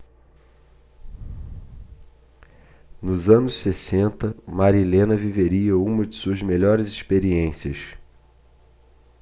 nos anos sessenta marilena viveria uma de suas melhores experiências